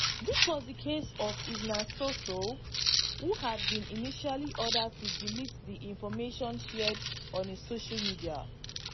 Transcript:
This was the case for Ignace Sossou, who had been initially ordered to delete the information shared on his social media.